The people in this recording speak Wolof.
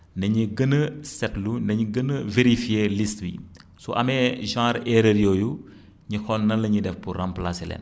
na ñuy gën a seetle na ñuy gën a vérifié liste yi su amee genre erreur yooyu ñu xool nan la ñuy def pouir remplacer leen